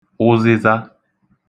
ụzịza